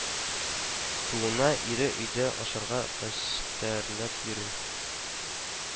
Туына ире өйдә ашарга хәстәрләп йөри